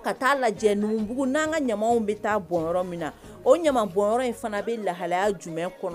Ka lajɛbugu n'an ka ɲamaw bɛ taa bɔn min na o ɲa bɔn in fana bɛ lahalaya jumɛn kɔnɔ